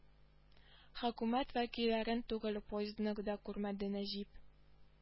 Хөкүмәт вәкилләрен түгел поездны да күрмәде нәҗип